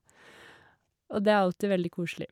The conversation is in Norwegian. Og det er alltid veldig koselig.